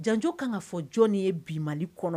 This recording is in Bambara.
Janj kan' fɔ jɔnni ye bi mali kɔnɔ